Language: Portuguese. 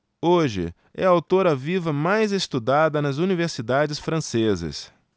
hoje é a autora viva mais estudada nas universidades francesas